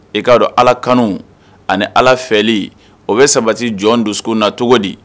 I k'a dɔn ala kan ani ala fɛli o bɛ sabati jɔn don na cogo di